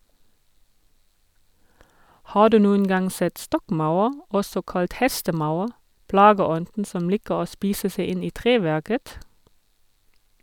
Har du noen gang sett stokkmaur, også kalt hestemaur, plageånden som liker å spise seg inn i treverket?